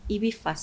I bɛ fa sa